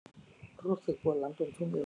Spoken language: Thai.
รู้สึกปวดหลังตรงช่วงเอว